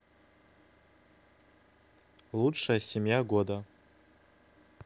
лучшая семья года